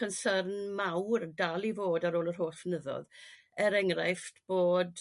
chynsyrn mawr dal i fod ar ôl yr holl flynyddo'dd er enghraifft bod